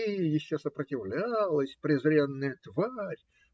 ты еще сопротивлялась, презренная тварь!